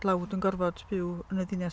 dlawd yn gorfod byw yn y ddinas.